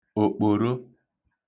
òkpòro